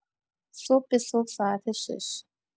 صبح به صبح ساعت ۶